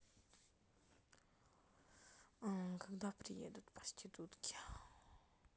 когда приедут проститутки